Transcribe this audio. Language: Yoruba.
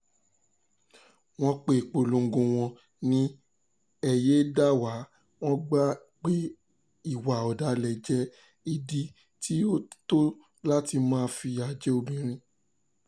Wọ́n pe ìpolongo wọn ní "Ẹ Yé é Dà Wá", wọ́n gbà pé ìwà ọ̀dàlẹ̀ jẹ́ ìdí tí ó tọ́ láti máa fìyà jẹ obìnrin.